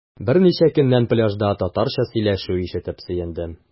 Берничә көннән пляжда татарча сөйләшү ишетеп сөендем.